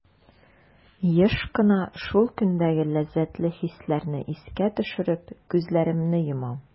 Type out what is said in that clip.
Еш кына шул көндәге ләззәтле хисләрне искә төшереп, күзләремне йомам.